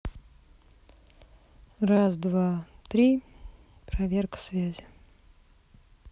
раз два три проверка связи